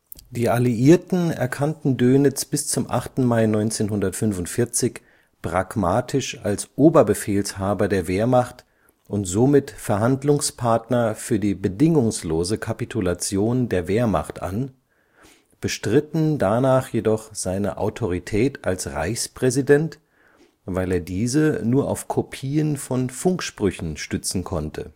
Die Alliierten erkannten Dönitz bis zum 8. Mai 1945 pragmatisch als Oberbefehlshaber der Wehrmacht und somit Verhandlungspartner für die bedingungslose Kapitulation der Wehrmacht an, bestritten danach jedoch seine Autorität als Reichspräsident, weil er diese nur auf Kopien von Funksprüchen stützen konnte